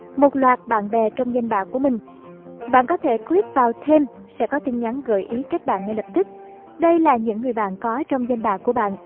loạt bạn bè trong danh bạ của mình bạn có thể click vào thêm sẽ có tin nhắn gợi ý kết bạn ngay lập tức đây là những người bạn có trong danh bạ của bạn